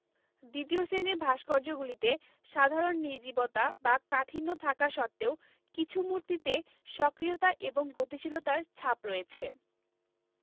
দ্বিতীয় শ্রেণির ভাস্কর্যগুলিতে সাধারণ নির্জীবতা বা কাঠিণ্য থাকা সত্ত্বেও কিছু মূর্তিতে সক্রিয়তা এবং গতিশীলতার ছাপ রয়েছে